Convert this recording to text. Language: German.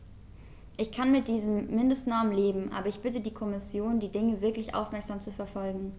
Ich kann mit diesen Mindestnormen leben, aber ich bitte die Kommission, die Dinge wirklich aufmerksam zu verfolgen.